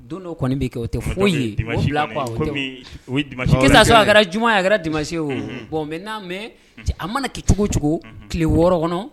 Don dɔw kɔni be kɛ o te foyi ye o bila quoi o tɛ comme o ye dimanche que ça soit a kɛrɛ o a kɛra dimanche ye o uuun bon maintenant mais un cɛ a mana kɛ cogo-cogoo unhun tile 6 kɔnɔ